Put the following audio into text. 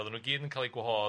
Oedden n'w gyd yn cael 'u gwahodd